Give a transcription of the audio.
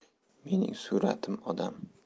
mening suratim odam